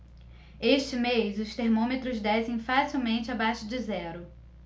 este mês os termômetros descem facilmente abaixo de zero